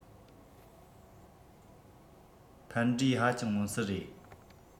ཕན འབྲས ཧ ཅང མངོན གསལ རེད